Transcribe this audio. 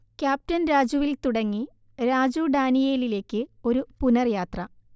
captain രാജുവിൽ തുടങ്ങി രാജു ഡാനിയേലിലേക്ക് ഒരു പുനർയാത്ര